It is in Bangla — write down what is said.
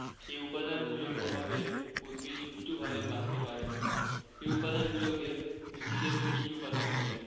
এ উপাদানগুলোর অভাবে উদ্ভিদ সুষ্ঠুভাবে বাঁচতে পারে না এ উপাদানগুলোকে উদ্ভিদের পুষ্টি উপাদান বলে